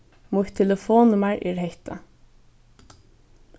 mítt telefonnummar er hetta